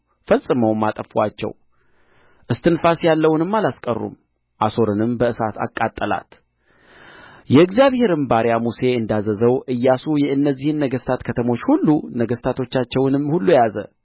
ፈጽመውም አጠፉአቸው እስትንፋስ ያለውንም አላስቀሩም አሶርንም በእሳት አቃጠላት የእግዚአብሔርም ባሪያ ሙሴ እንዳዘዘው ኢያሱ የእነዚህን ነገሥታት ከተሞች ሁሉ ነገሥታቶቻቸውንም ሁሉ ያዘ